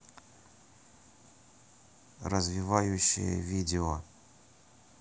развивающее видео